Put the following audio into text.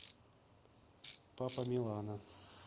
папа милана